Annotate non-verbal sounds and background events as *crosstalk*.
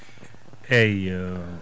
eeyi *hesitation*